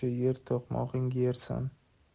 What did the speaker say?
yer to'qmog'in yersan